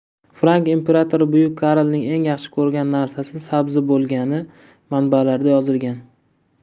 frank imperatori buyuk karlning eng yaxshi ko'rgan narsasi sabzi bo'lgani manbalarda yozilgan